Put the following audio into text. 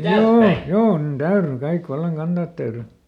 joo joo niin täytyi kaikki vallan kantaa täytyi